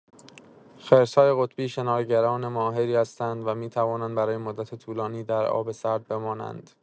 خرس‌های قطبی شناگران ماهری هستند و می‌توانند برای مدت طولانی در آب سرد بمانند.